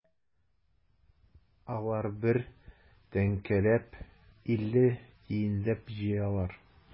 Алар бер тәңкәләп, илле тиенләп җыялар.